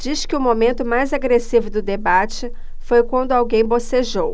diz que o momento mais agressivo do debate foi quando alguém bocejou